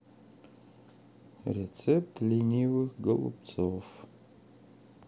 рецепт ленивых голубцов